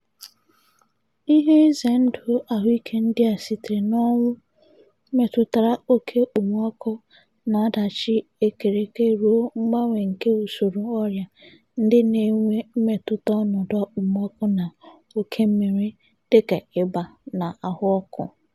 Ihe ize ndụ ahụike ndị a sitere n'ọnwụ metụtara oke okpomọkụ na ọdachi ekereke ruo mgbanwe nke usoro ọrịa ndị na-enwe mmetụta ọnọdụ okpomọkụ na oke mmiri, dịka ịba na ahụọkụ.